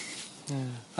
Hmm.